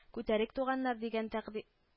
Күтәрик, туганнар, - дигән тәкди